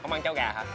hông ăn cháo gà hả